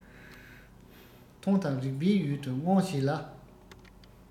མཐོང དང རེག པའི ཡུལ དུ མངོན བྱས ལ